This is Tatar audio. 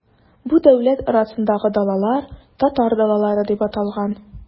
Бу дәүләт арасындагы далалар, татар далалары дип аталган.